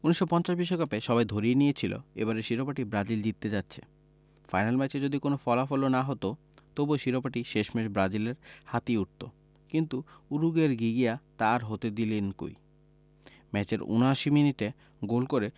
১৯৫০ বিশ্বকাপে সবাই ধরেই নিয়েছিল এবারের শিরোপাটি ব্রাজিল জিততে যাচ্ছে ফাইনাল ম্যাচে যদি কোনো ফলাফলও না হতো তবু শিরোপাটি শেষমেশ ব্রাজিলের হাতেই উঠত কিন্তু উরুগুয়ের ঘিঘিয়া তা আর হতে দিলেন কই ম্যাচের ৭৯ মিনিটে গোল করে